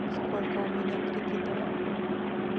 сколько у меня кредитов